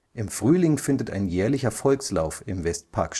Im Frühling findet ein jährlicher Volkslauf im Westpark